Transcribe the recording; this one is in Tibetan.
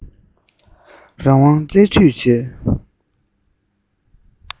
རང དབང བསྩལ དུས བྱས